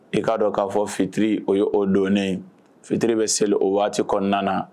I k'a dɔn k'a fɔ fitiri o ye o donnen fitiri bɛ seli o waati kɔnɔna na